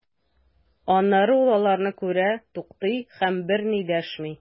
Аннары ул аларны күрә, туктый һәм берни дәшми.